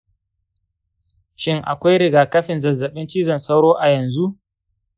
shin akwai rigakafin zazzaɓin cizon sauro a yanzu?